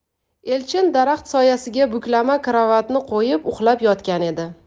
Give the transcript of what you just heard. elchin daraxt soyasiga buklama karavotni qo'yib uxlab yotgan edi